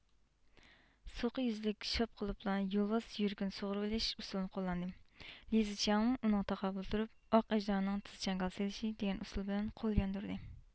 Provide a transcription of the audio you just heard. سوقا يۈزلۈك شاپ قىلىپلا يولۋاس يۈرىكىنى سۇغۇرۇۋېلىش ئۇسۇلىنى قوللاندى لى زىچياڭمۇ ئۇنىڭغا تاقابىل تۇرۇپ ئاق ئەجدىھانىڭ تېز چاڭگال سېلىشى دېگەن ئۇسۇل بىلەن قول ياندۇردى